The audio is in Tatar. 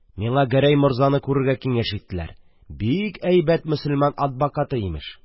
Миңа Гәрәй морзаны күрергә киңәш иттеләр; бик әйбәт мосылман адбакаты, имеш.